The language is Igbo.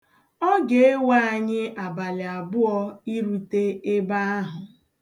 Ọ ga-ewe anyị abalị abụọ irute ebe ahụ.